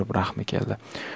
rahmi keldi